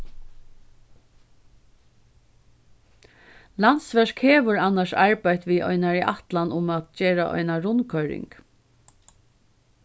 landsverk hevur annars arbeitt við einari ætlan um at gera eina rundkoyring